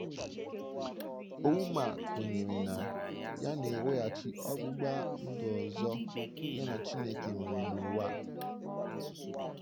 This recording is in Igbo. Agba nke abụọ na-abịa.